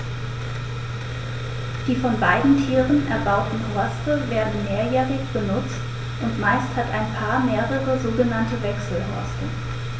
Die von beiden Tieren erbauten Horste werden mehrjährig benutzt, und meist hat ein Paar mehrere sogenannte Wechselhorste.